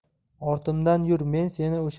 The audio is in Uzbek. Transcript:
ortimdan yur men seni o'sha